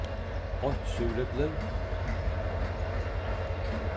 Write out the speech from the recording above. eitt súrepli